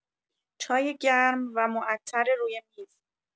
چای گرم و معطر روی میز